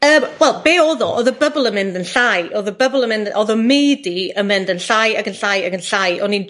Yym wel be' odd o, odd y bybl yn mynd yn llai odd y bybl yn mynd... Odd 'ym myd i yn mynd yn llai ac yn llai ac yn llai o'n i'n